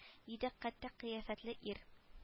Диде кәттә кыяфәтле ир